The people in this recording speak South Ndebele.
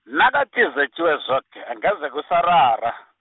nakathi zetjiwe zoke, angeze kusarara.